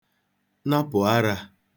napụ̀ arā